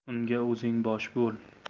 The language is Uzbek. unga o'zing bosh bo'l